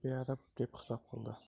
beadad deb xitob qildi